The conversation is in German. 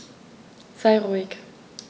Sei ruhig.